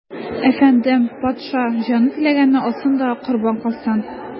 Әфәндем, патша, җаны теләгәнне алсын да корбан кылсын.